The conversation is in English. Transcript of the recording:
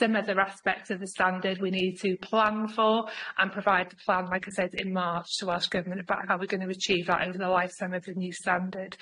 Some other aspects of the standard we need to plan for, and provide the plan like I said in March to Welsh Government about how we're gonna achieve that over the life cycle of the new standard.